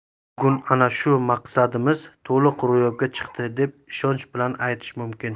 bugun ana shu maqsadimiz to'liq ro'yobga chiqdi deb ishonch bilan aytishimiz mumkin